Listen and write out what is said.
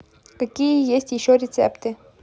какие есть еще рецепты